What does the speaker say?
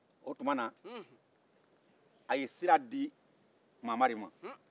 o tumana a ye sira di mamari ma